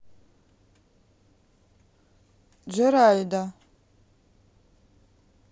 джеральда